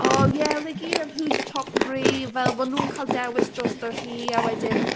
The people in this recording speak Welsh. O, ie, oedd e gyd am who’s your top three fel maen nhw’n cael dewis drosto hi a wedyn...